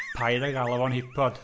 Paid â galw fo'n hip pod.